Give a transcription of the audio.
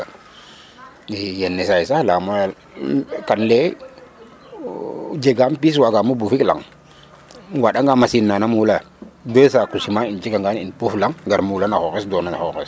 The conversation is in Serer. i yenisaay sax kan leye o jegaam pis wagamo bufik laŋ waɗa nga machine na na mula 2 saku ciment in jika ngan in buf laŋ ga mula na xoxes dona na xoxes